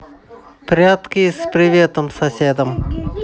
прятки с приветом соседом